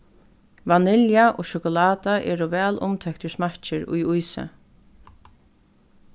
vanilja og sjokuláta eru væl umtóktir smakkir í ísi